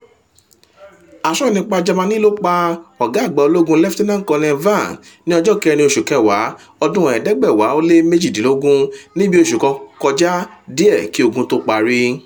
Asọnipa Jamaní ló pa Lt Col Vann ní ọjọ 4 oṣù kẹwàá 1918 - ní bí oṣù kan kọjá díẹ̀ kí ogun tó parí.